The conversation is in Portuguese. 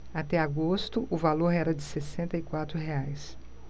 até agosto o valor era de sessenta e quatro reais